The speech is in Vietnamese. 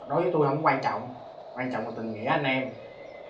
đối với tui hổng quan trọng quan trọng là tình nghĩa anh em